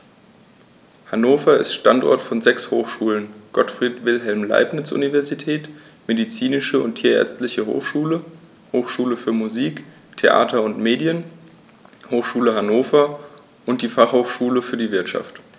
Hannover ist Standort von sechs Hochschulen: Gottfried Wilhelm Leibniz Universität, Medizinische und Tierärztliche Hochschule, Hochschule für Musik, Theater und Medien, Hochschule Hannover und die Fachhochschule für die Wirtschaft.